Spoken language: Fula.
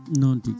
noon tigui